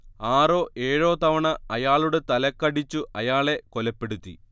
ആറോ ഏഴോ തവണ അയാളുടെ തലക്കടിച്ചു അയാളെ കൊലപ്പെടുത്തി